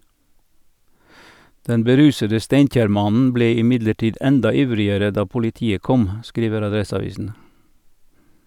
Den berusede Steinkjer-mannen ble imidlertid enda ivrigere da politiet kom , skriver Adresseavisen.